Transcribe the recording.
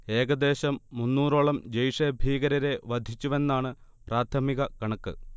ഏകദേശം മുന്നോറോളം ജെയ്ഷെ ഭീകരരെ വധിച്ചുവെന്നാണ് പ്രാഥമിക കണക്ക്